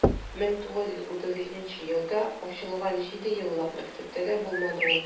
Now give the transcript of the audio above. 1937 елда ачылган җидееллык мәктәптә дә булмады ул.